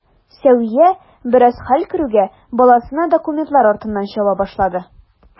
Сәвия, бераз хәл керүгә, баласына документлар артыннан чаба башлады.